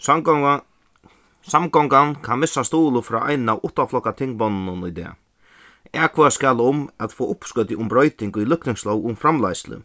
samgongan kann missa stuðulin frá einum av uttanflokkatingmonnunum í dag atkvøðast skal um at fáa uppskotið um broyting í løgtingslóg um framleiðslu